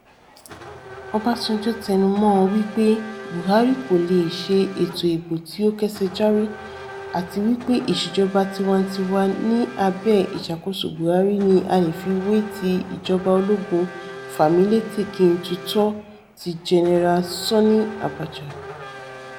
Ọbásanjọ́ tẹnu mọ́ ọn wípé Buhari kò leè "ṣe ètò ìbò tí ó kẹ́sẹjárí", àti wípé ìsèjọba tiwantiwa ní abẹ́ ìṣàkóso Buhari ni a lè fi wé tí ìjọba ológun fàmílétè-kí-n-tutọ́ọ ti Gen. Sani Abacha.